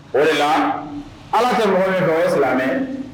O de la ala tɛ mɔgɔ ye nɔ ye silamɛ